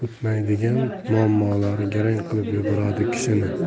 o'tmaydigan muammolari garang qilib yuboradi kishini